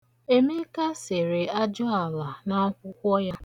Emeka sere ajụala n'akwụkwọ ya.